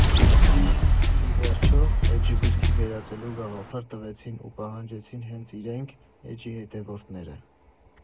Ի վերջո, էջը գրքի վերածելու գաղափար տվեցին ու պահանջեցին հենց իրենք՝ էջի հետևորդները։